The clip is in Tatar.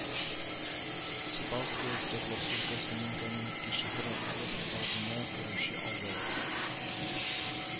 Сипавское Свердловск өлкәсенең Каменский шәһәр округы составына керүче авыл